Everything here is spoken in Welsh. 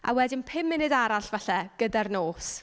A wedyn, pum munud arall falle gyda'r nos.